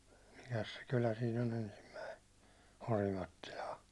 mikäs se kylä siinä on ensimmäinen Orimattilaa